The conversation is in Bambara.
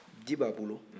di b'a bolo